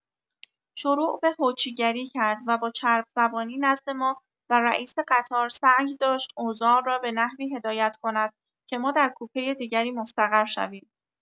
شروع به هوچی گری کرد و با چرب‌زبانی نزد ما و رئیس قطار سعی داشت اوضاع را به نحوی هدایت کند که ما در کوپۀ دیگری مستقر شویم.